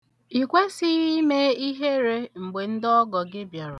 Ị kwesighị ime ihere mgbe ndị ọgọ gị bịara.